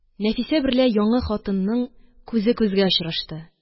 Нәфисә берлә яңы хатынның күзе күзгә очрашты